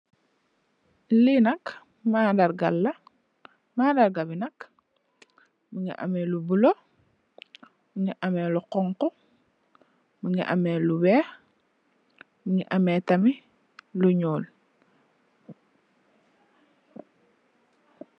Li nak mandarga la, mandarga bi nak mugii ameh lu bula, mugii ameh lu xonxu, mugii ameh lu wèèx, mugii ameh tamit lu ñuul.